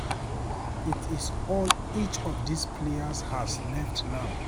It is all each of these players has left now.